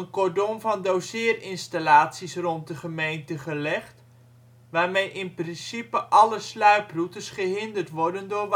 cordon van " doseerinstallaties " rond de gemeente gelegd, waarmee in principe alle sluiproutes gehinderd worden door